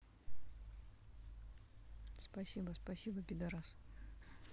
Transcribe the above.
спасибо спасибо пидарас